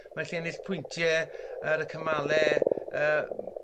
ma'n 'lly ennill pwyntie ar y cymale yy m-